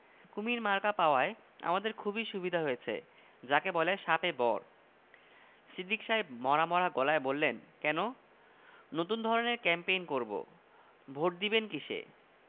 কুমীর মার্কা বাক্সে জাতীয় ফাজলামী না নতুন স্টাইল আমরা জীবন্ত কুমীর নিয়ে আসব জীবন্ত কুমীর হ্যাঁ জীবন্ত কুমীর নির্বাচনী প্রচার হবে জ্যান্ত কুমীর দিয়ে